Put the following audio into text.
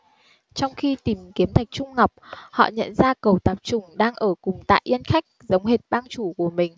trong khi tìm kiếm thạch trung ngọc họ đã nhận ra cẩu tạp chủng đang ở cùng tạ yên khách giống hệt bang chủ của mình